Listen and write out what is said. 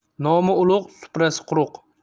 nomi ulug' suprasi quruq